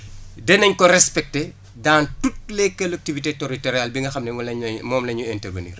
danañ ko respecter dans toutes les collectivités territoriales bi nga xam ne moom la ñuy moom la ñuy intervenir